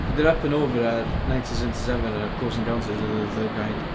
ar ninety seventy seven ar Close Encounters of the Third Kind.